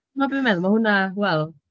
Chimod be fi'n meddwl? Mae hwnna, wel...